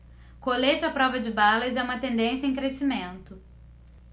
colete à prova de balas é uma tendência em crescimento